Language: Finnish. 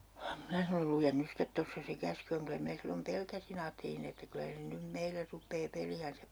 minä sanoin lue nyt sitten tuossa se käsky on kyllä minä silloin pelkäsin ajattelin että kyllä se nyt meille rupeaa peliänsä pitämään